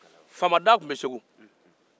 faama da tun bɛ segu